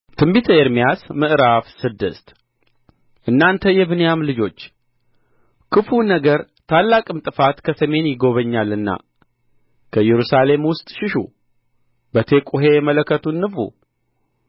ትንቢተ ኤርምያስ ምዕራፍ ስድስት እናንተ የብንያም ልጆች ክፉ ነገር ታላቅም ጥፋት ከሰሜን ይጐበኛልና ከኢየሩሳሌም ውስጥ ሽሹ በቴቁሔ መለከቱን ንፉ